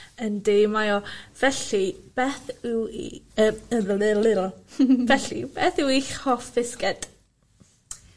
Yndi mae o. Felly beth yw 'i yy felly beth yw eich hoff fisged?